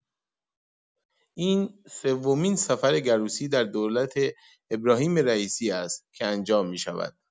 این‌سومین سفر گروسی در دولت ابراهیم رییسی است که انجام می‌شود.